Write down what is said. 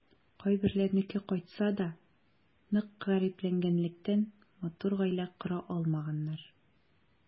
Кайберләренеке кайтса да, нык гарипләнгәнлектән, матур гаилә кора алмаганнар.